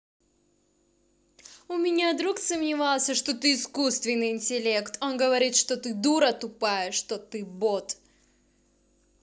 у меня друг сомневается что ты искусственный интеллект он говорит что ты дура тупая что ты бот